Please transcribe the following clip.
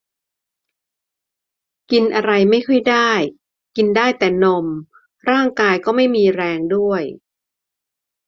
กินอะไรไม่ค่อยได้กินได้แต่นมร่างกายก็ไม่มีแรงด้วย